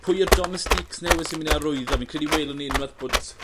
pwy yw'r domestiques newydd sy myn' i arwydd? Fi'n credu welwn ni unweth bod